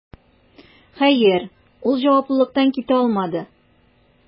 Хәер, ул җаваплылыктан китә алмады: